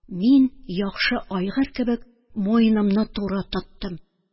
Мин, яхшы айгыр кебек, муенымны туры тоттым.